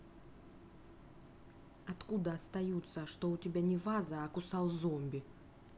откуда остаются что у тебя не ваза не кусал зомби